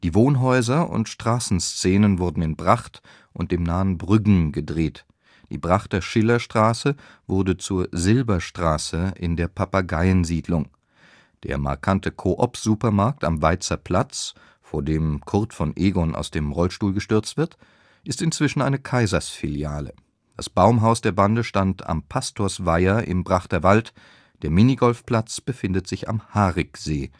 Wohnhäuser und Straßenszenen wurden in Bracht und dem nahen Brüggen gedreht. Die Brachter Schillerstraße wurde zur „ Silberstraße “in der „ Papageiensiedlung “. Der markante „ Coop “- Supermarkt am Weizer Platz, vor dem Kurt von Egon aus dem Rollstuhl gestürzt wird, ist inzwischen eine „ Kaiser’ s “- Filiale. Das Baumhaus der Bande stand am Pastors Weiher im Brachter Wald, der Minigolfplatz befindet sich am Hariksee